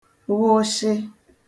ghụshị